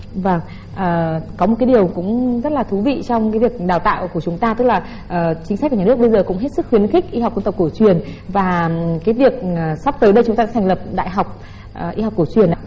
vầng à có một điều cũng rất là thú vị trong việc đào tạo của chúng ta tức là ở chính sách của nhà nước bây giờ cũng hết sức khuyến khích y học dân tộc cổ truyền và cái việc là sắp tới đây chúng ta thành lập đại học y học cổ truyền ạ